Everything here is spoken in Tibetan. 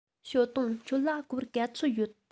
ཞའོ ཏུང ཁྱོད ལ སྒོར ག ཚོད ཡོད